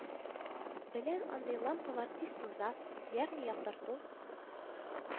Белән андый лампалар тиз туза, ягъни яктырту